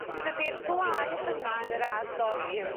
Dydi'r gwlai yma yn yr ardd dorri ym...